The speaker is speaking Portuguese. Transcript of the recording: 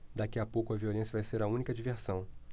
daqui a pouco a violência vai ser a única diversão